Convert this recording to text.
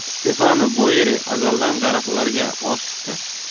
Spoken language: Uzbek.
stefano boyeri azaldan daraxtlarga oshufta